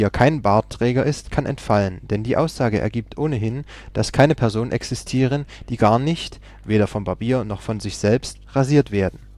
kein Bartträger ist, kann entfallen, denn die Aussage ergibt ohnehin, dass keine Personen existieren, die gar nicht (weder vom Barbier noch von sich selbst) rasiert werden